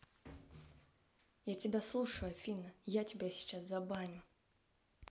я тебя слушаю афина я тебя сейчас забаню